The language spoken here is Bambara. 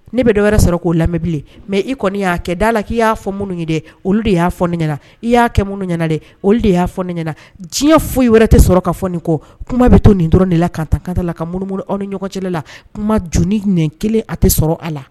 Ne bɛ dɔ wɛrɛ sɔrɔ k'o lamɛnmɛb mɛ i kɔni y'a kɛ d' la i y'a fɔ minnu ye dɛ olu de y'a fɔ ne ɲɛna i y'a kɛ minnu ɲɛna dɛ olu de y'a fɔ ne ɲɛna diɲɛ foyi ye wɛrɛ tɛ sɔrɔ ka fɔ nin kɔ kuma bɛ to nin dɔrɔn de la ka kanta la ka munumunu aw ni ɲɔgɔncɛ la kuma j n kelen a tɛ sɔrɔ a la